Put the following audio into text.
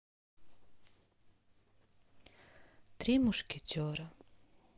три мушкетера